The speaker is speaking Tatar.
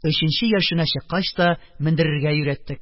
Өченче яшенә чыккач та, мендерергә өйрәттек.